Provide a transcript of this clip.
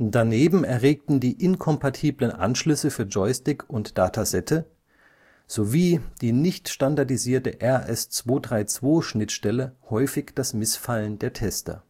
Daneben erregten die inkompatiblen Anschlüsse für Joystick und Datasette sowie die nicht standardisierte RS-232-Schnittstelle häufig das Missfallen der Tester